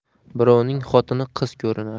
birovning xotini qiz ko'rinar